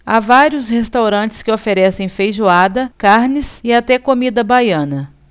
há vários restaurantes que oferecem feijoada carnes e até comida baiana